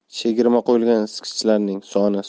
chegirma qo'yilgan isitgichlarning soni